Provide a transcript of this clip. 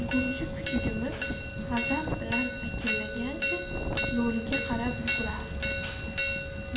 gurji kuchugimiz g'azab bilan akillagancha lo'liga qarab yugurdi